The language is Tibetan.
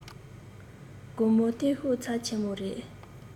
དགོང མོ བསྟན བཤུག ཚབས ཆེན མོ རེ